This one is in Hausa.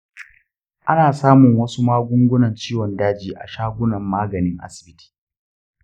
ana samun wasu magungunan ciwon daji a shagunan maganin asibiti.